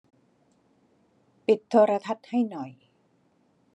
ปิดโทรทัศน์ให้หน่อย